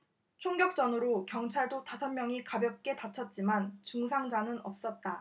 총격전으로 경찰도 다섯 명이 가볍게 다쳤지만 중상자는 없었다